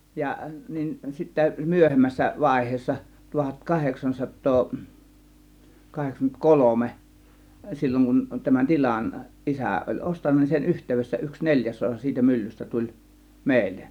ja niin sitten myöhemmässä vaiheessa tuhat kahdeksansataa kahdeksankymmentä kolme silloin kun tämän tilan isä oli ostanut niin sen yhteydessä yksi neljäs osa siitä myllystä tuli meille